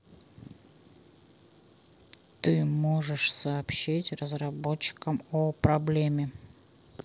ты можешь сообщить разработчикам о проблеме